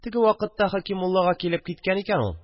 – теге вакытта хәкимуллага килеп киткән икән ул